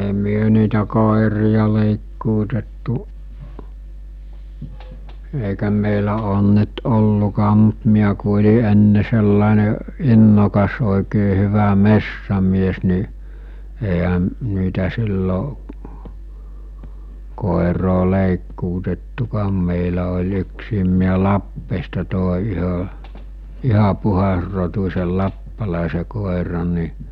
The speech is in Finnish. ei me niitä koiria leikkuutettu eikä meillä ole nyt ollutkaan mutta minä kun olin ennen sellainen innokas oikein hyvä metsämies niin eihän niitä silloin koiraa leikkuutettukaan meillä oli yksikin mies Lappeesta toi yhden ihan puhdasrotuisen lappalaisen koiran niin -